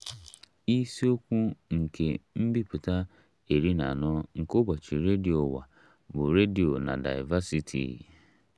Isiokwu nke mbipụta 14 nke Ụbọchị Redio Ụwa bụ "Radio na Diversity".